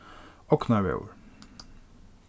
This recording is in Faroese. ognarvegur